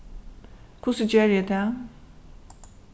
hvussu geri eg tað